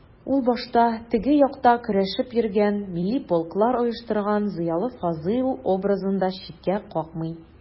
Ул башта «теге як»та көрәшеп йөргән, милли полклар оештырган зыялы Фазыйл образын да читкә какмый.